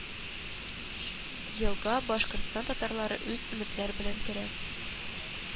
Елга башкортстан татарлары зур өметләр белән керә